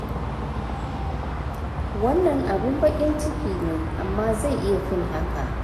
Wannan abun bakin ciki ne, amma zai iya fin haka. "